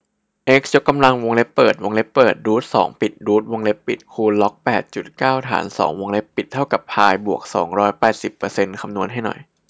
เอ็กซ์ยกกำลังวงเล็บเปิดวงเล็บเปิดรูทสองจบรูทวงเล็บปิดคูณล็อกแปดจุดเก้าฐานสองวงเล็บปิดเท่ากับพายบวกสองร้อยแปดสิบเปอร์เซ็นต์คำนวณให้หน่อย